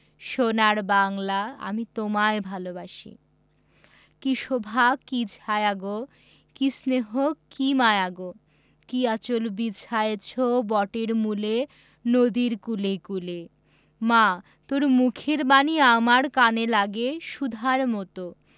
সোনার বাংলা আমি তোমায় ভালোবাসি কী শোভা কী ছায়া গো কী স্নেহ কী মায়া গো কী আঁচল বিছায়েছ বটের মূলে নদীর কূলে কূলে মা তোর মুখের বাণী আমার কানে লাগে সুধার মতো